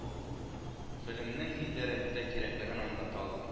Белемнең ни дәрәҗәдә кирәклеген аңлата алган